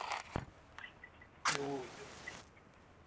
ты лузер